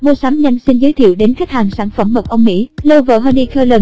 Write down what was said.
muasamnhanh xin giới thiệu đến khách hàng sản phẩm mật ong mỹ clover honey kirkland